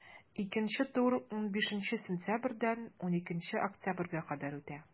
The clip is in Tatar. Икенче тур 15 сентябрьдән 12 октябрьгә кадәр үтә.